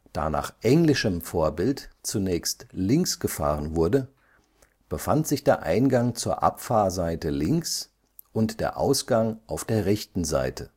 Da nach englischem Vorbild zunächst links gefahren wurde, befand sich der Eingang zur Abfahrseite links, und der Ausgang auf der rechten Seite